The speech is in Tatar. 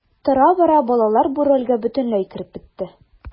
Тора-бара балалар бу рольгә бөтенләй кереп бетте.